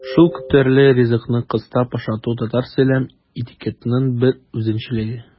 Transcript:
Шул күптөрле ризыкны кыстап ашату татар сөйләм этикетының бер үзенчәлеге.